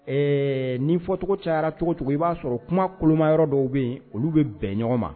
Ɛɛ ni fɔcogo cayara cogo cogocogo i b'a sɔrɔ kuma koloma yɔrɔ dɔw bɛ yen olu bɛ bɛn ɲɔgɔn ma